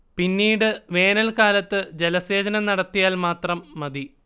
പിന്നീട് വേനൽക്കാലത്ത് ജലസേചനം നടത്തിയാൽ മാത്രം മതി